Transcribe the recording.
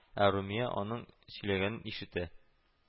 Ә румия аның сөйләгәнен ишетә